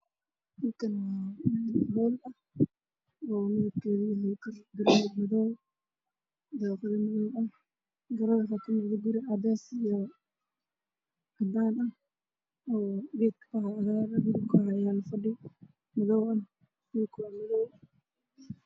Waa hoteel qol ah waxaa yaalo sariiro